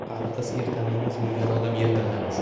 qari qiz er tanlamas o'lgan odam yer tanlamas